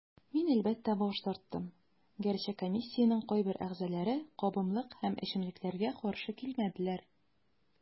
Мин, әлбәттә, баш тарттым, гәрчә комиссиянең кайбер әгъзаләре кабымлык һәм эчемлекләргә каршы килмәделәр.